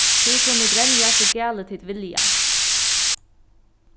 tit kunnu grenja so galið tit vilja